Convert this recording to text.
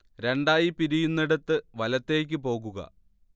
രണ്ടായി പിരിയുന്നടത്ത് വലത്തേക്ക് പോകുക